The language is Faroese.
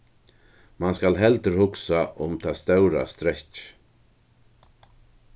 mann skal heldur hugsa um tað stóra strekkið